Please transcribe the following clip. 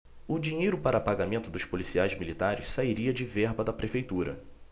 o dinheiro para pagamento dos policiais militares sairia de verba da prefeitura